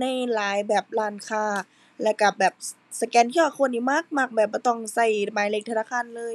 ในหลายแบบร้านค้าแล้วเราแบบ สแกน QR code นี่มักมัก แบบบ่ต้องเราหมายเลขธนาคารเลย